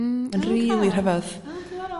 hmm ma'n rili rhyfadd